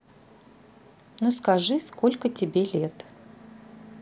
ну скажи сколько тебе лет